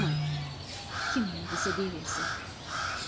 mayli kim nima desa deyaversin